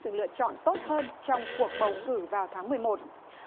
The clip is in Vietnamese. sự lựa chọn tốt hơn trong cuộc bầu cử vào tháng mười một